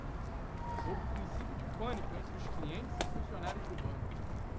houve princípio de pânico entre os clientes e funcionários do banco